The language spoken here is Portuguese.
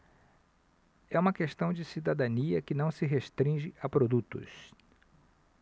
é uma questão de cidadania que não se restringe a produtos